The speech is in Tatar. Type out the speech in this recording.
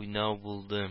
уйнау булды.